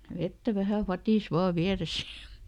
vettä vähän vadissa vain vieressä ja